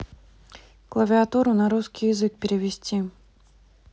клавиатуру на русский язык перевести